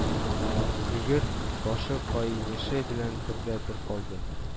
Өер башы каенише белән бергә-бер калды